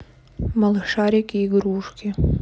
малышарики игрушки